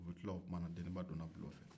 u ma tila o kuma na deniba donna bulon fɛ